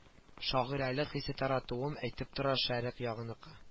Шагыйрәлек хисе таратуым әйтеп тора шәрекъ ягыныкы